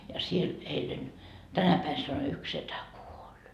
ja siellä eilen tänä päivänä sanoi yksi setä kuoli